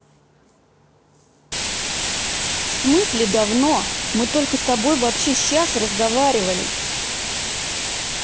в смысле давно мы только с тобой вообще щас разговаривали